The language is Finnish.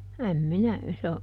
en minä